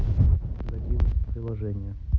зайди в это приложение